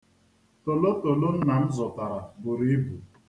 Tolotolo nna m zụtara buru ibu.